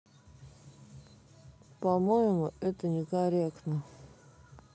по моему это некорректно